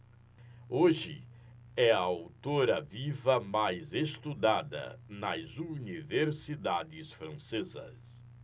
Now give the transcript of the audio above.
hoje é a autora viva mais estudada nas universidades francesas